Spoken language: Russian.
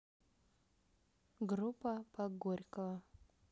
группа по горького